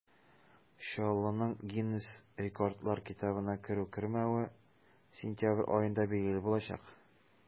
Чаллының Гиннес рекордлар китабына керү-кермәве сентябрь аенда билгеле булачак.